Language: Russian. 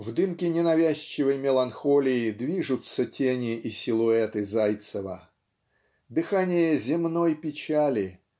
В дымке ненавязчивой меланхолии движутся тени и силуэты Зайцева. Дыхание "земной печали"